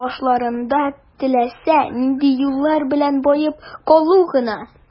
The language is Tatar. Башларында теләсә нинди юллар белән баеп калу гына.